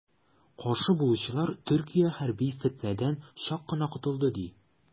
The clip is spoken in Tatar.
Каршы булучылар, Төркия хәрби фетнәдән чак кына котылды, ди.